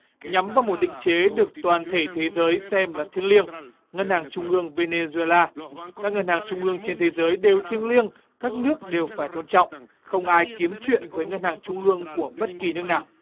nhắm vào một định chế được toàn thể thế giới xem là thiêng liêng ngân hàng trung ương vê nê duê la các ngân hàng trung ương trên thế giới đều thiêng liêng các nước đều phải tôn trọng không ai kiếm chuyện với ngân hàng trung ương của bất kỳ nước nào